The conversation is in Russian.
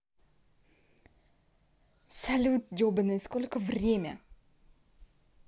салют ебанутый сколько время